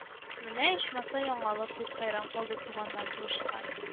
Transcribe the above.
Менә ичмаса яңалык! — дип, хәйран калды туганнан туышкан